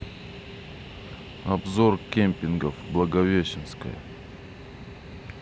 обзор кемпингов благовещенская